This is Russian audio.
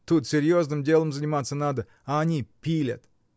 — Тут серьезным делом заниматься надо, а они пилят!